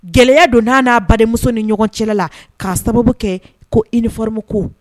Gɛlɛya don na a n'a badenmuso ni ɲɔgɔn cɛla la k'a sababu kɛ ko i nifɔrmu ko.